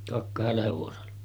- kahdella hevosella